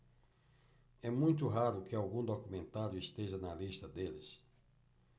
é muito raro que algum documentário esteja na lista deles